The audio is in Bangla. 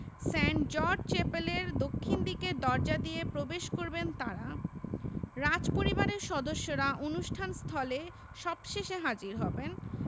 সেন্ট জর্জ চ্যাপেলের দক্ষিণ দিকের দরজা দিয়ে প্রবেশ করবেন তাঁরা রাজপরিবারের সদস্যরা অনুষ্ঠান স্থলে সবশেষে হাজির হবেন